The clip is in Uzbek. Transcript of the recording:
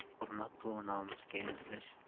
hurmat bu nomusga intilish